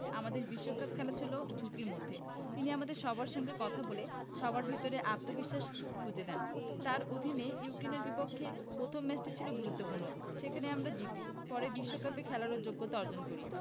আমাদের বিশ্বকাপ খেলা ছিল ঝুঁকির মধ্যে তিনি আমাদের সবার সঙ্গে কথা বলে সবার ভেতরে আত্মবিশ্বাস গুঁজে দেন তাঁর অধীনে ইউক্রেনের বিপক্ষে প্রথম ম্যাচটি ছিল গুরুত্বপূর্ণ সেখানে আমরা জিতি পরে বিশ্বকাপে খেলারও যোগ্যতা অর্জন করি